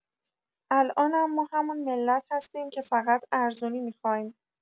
الانم ما همون ملت هستیم که فقط ارزونی می‌خوایم.